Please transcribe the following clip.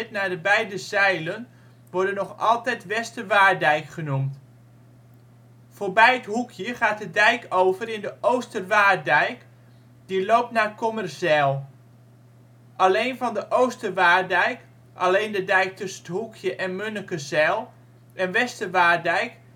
naar de beide zijlen worden nog altijd ' Wester Waarddijk ' genoemd. Voorbij ' t Hoekje gaat de dijk over in de Ooster Waarddijk, die loopt naar Kommerzijl. Alleen van de Ooster Waarddijk (alleen de dijk tussen ' t Hoekje en Munnekezijl) en Wester Waarddijk